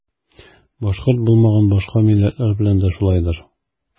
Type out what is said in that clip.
Башкорт булмаган башка милләтләр белән дә шулайдыр.